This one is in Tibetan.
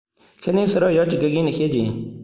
ཁས ལེན ཕྱི རོལ ཡུལ གྱི དགེ རྒན ནས བཤད རྒྱུ ཡིན